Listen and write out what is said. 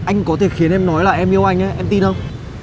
anh có thể khiến em nói là em yêu anh ấy em tin không